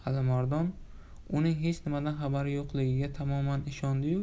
alimardon uning hech nimadan xabari yo'qligiga tamoman ishondi yu